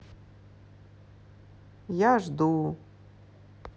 я жду